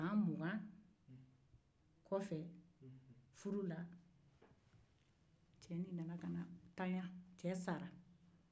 furu kɛlen kɔfɛ san mugan cɛ fatura